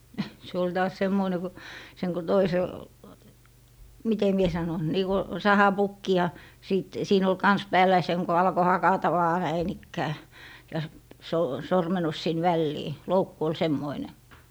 - se oli taas semmoinen kun sen kun toisella miten minä sanon niin kuin sahapukki ja sitten siinä oli kanssa päällä ja sen kun alkoi hakata vain näin ikään ja -- sormennus sinne väliin loukku oli semmoinen